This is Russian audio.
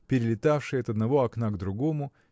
перелетавшие от одного окна к другому